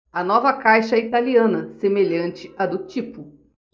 a nova caixa é italiana semelhante à do tipo